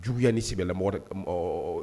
Juguyaya ni sigilenbɛla mɔgɔ